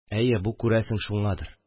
Әйе, бу, күрәсең, шуңадыр.